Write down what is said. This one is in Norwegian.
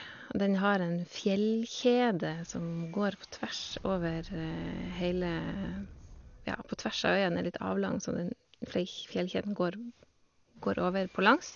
Og den har en fjellkjede som går på tvers over heile, ja, på tvers av, øyen er litt avlang, så den fleikj fjellkjeden går går over på langs.